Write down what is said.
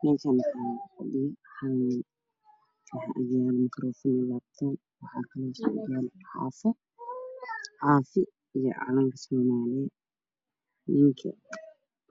Meeshaan waxaa fadhiyo hal nin waxaa agyaalo makaroofan iyo laabtoob caafi iyo calanka soomaaliya.